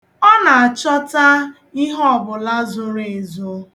Ọ na-achọta ihe ọbụla zoro ezo.